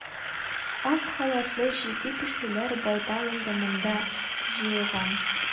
Ак халатлы җитди кешеләр байтак инде монда җыелган.